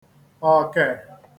ọ̀kẹ̀